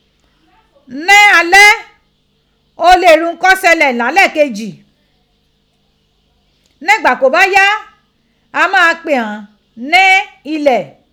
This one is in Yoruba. Ní alẹ́, o lè rí hun kó ṣẹlẹ̀ ní alẹ́ kejì ; nígbà kó bá yá, a máa pè ghan ní ilẹ̀.